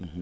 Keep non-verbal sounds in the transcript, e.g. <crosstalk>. <hesitation> <hesitation>